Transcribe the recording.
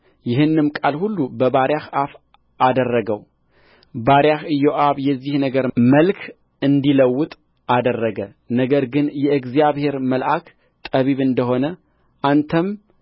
ይህንም ቃል ሁሉ በባሪያህ አፍ አደረገው ባሪያህ ኢዮአብ የዚህ ነገር መልክ እንዲለወጥ አደረገ ነገር ግን የእግዚአብሔር መልአክ ጠቢብ እንደ ሆነ አንተም